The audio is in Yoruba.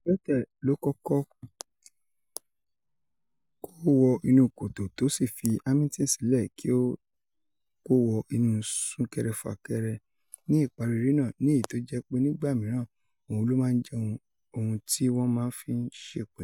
Vettel ló kọ́kọ́ kówọ inú kòtò tó sì fi Hamilton sílẹ̀ kí ó kó wọ inú súnkere-fàkere, ní ìparí eré náà, ní èyí tó jẹ́ pé nígbà mìíràn oùn ló ma ń jẹ́ ohun tí wọ́n má fi ń ṣèpinu.